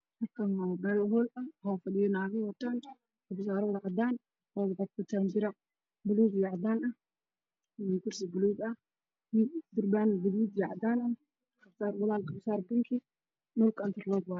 Meeshaan waa meel ho lwaxaa. Fadhiyo. Sarba. saaro wado. cadaan .iyo baluug iyo cadaan kursi cadaan iyo. Gurbaan gaduud iyo cadaan iyo. garba saar binki ah